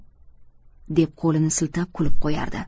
deb qo'lini siltab kulib qo'yardi